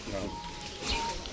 waaw